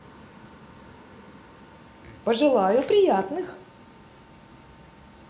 пожелаю приятных